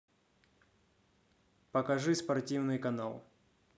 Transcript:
покажи спортивный канал